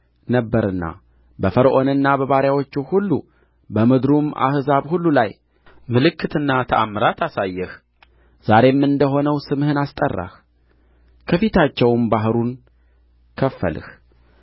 ነበርና በፈርዖንና በባሪያዎቹ ሁሉ በምድሩም ሕዝብ ሁሉ ላይ ምልክትና ተአምራት አሳየህ ዛሬም እንደ ሆነው ስምህን አስጠራህ ከፊታቸውም ባሕሩን ከፈልህ